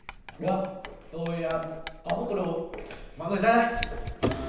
được tôi có một câu đố mọi người ra đây